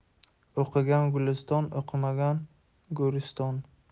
o'qigan guliston o'qimagan go'riston